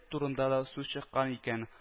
Турында да сүз чыккан икән